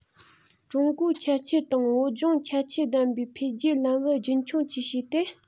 ཀྲུང གོའི ཁྱད ཆོས དང བོད ལྗོངས ཁྱད ཆོས ལྡན པའི འཕེལ རྒྱས ལམ བུ རྒྱུ འཁྱོངས བཅས བྱས ཏེ